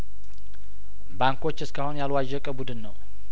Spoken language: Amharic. ባንኮች እስካሁን ያልዋዠቀ ቡድን ነው